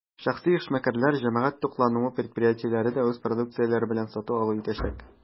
Шәхси эшмәкәрләр, җәмәгать туклануы предприятиеләре дә үз продукцияләре белән сату-алу итәчәк.